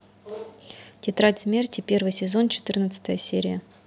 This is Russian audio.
тетрадь смерти первый сезон четырнадцатая серия